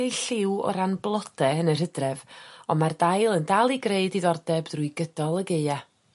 ei lliw o ran blode yn yr hydref on' mae'r dail yn dal i greu diddordeb drwy gydol y gaea.